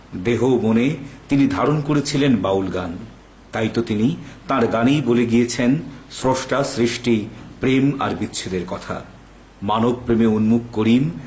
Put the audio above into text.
করেছিলেন দেহ ও-মনে তিনি ধারণ করেছিলেন বাউল গান তাইতো তিনি তার গানে ই বলে গিয়েছেন স্রষ্টা সৃষ্টি প্রেম আর বিচ্ছেদের কথা মানব প্রেমে উনমুখ করিম